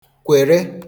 kwère